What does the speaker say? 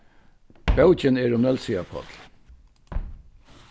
bókin er um nólsoyar páll